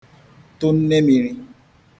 tụ nemiri